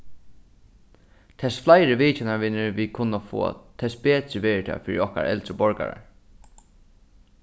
tess fleiri vitjanarvinir vit kunnu fáa tess betri verður tað fyri okkara eldru borgarar